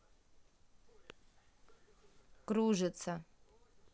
кружица